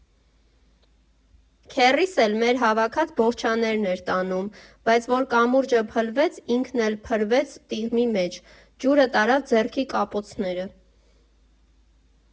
Քեռիս էլ մեր հավաքած բոխչաներն էր տանում, բայց որ կամուրջը փլվեց, ինքն էլ խրվեց տիղմի մեջ, ջուրը տարավ ձեռքի կապոցները։